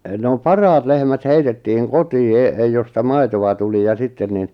no parhaat lehmät heitettiin kotiin - josta maitoa tuli ja sitten niin